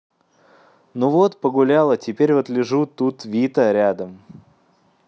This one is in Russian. ну вот погуляла теперь вот лежу тут vita рядом